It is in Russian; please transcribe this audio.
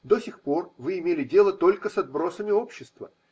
До сих пор вы имели дело только с отбросами общества.